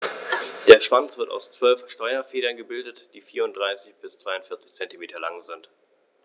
Der Schwanz wird aus 12 Steuerfedern gebildet, die 34 bis 42 cm lang sind.